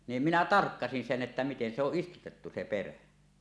niin minä tarkkasin sen että miten se on istutettu se perä